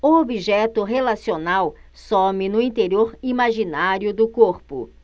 o objeto relacional some no interior imaginário do corpo